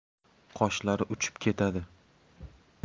qoshlari uchib ketadi